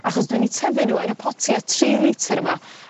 achos dwi'n 'i tyfu n'w yn y potia tri lityr yma